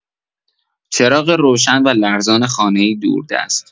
چراغ روشن و لرزان خانه‌ای دوردست